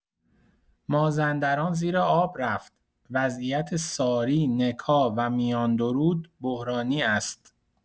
مازندران زیر آب رفت، وضعیت ساری نکا و میاندرود بحرانی است!